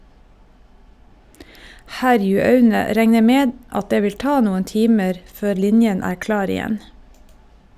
Herjuaune regner med at det vil ta noen timer før linjen er klar igjen.